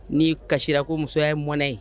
N'i kasisira ko musoya mɔnɛ ye